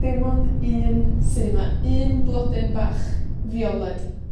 Dim ond un sy 'ma. Un blodyn bach fioled.